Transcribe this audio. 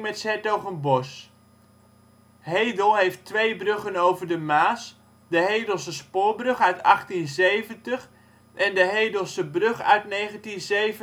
s-Hertogenbosch. Hedel heeft twee bruggen over de Maas: de Hedelse spoorbrug uit 1870 en de Hedelse brug uit 1937